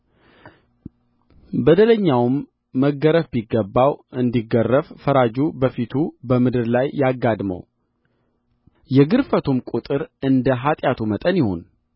በደለኛውም መገረፍ ቢገባው እንዲገረፍ ፈራጁ በፊቱ በምድር ላይ ያጋድመው የግርፋቱም ቍጥር እንደ ኃጢአቱ መጠን ይሁን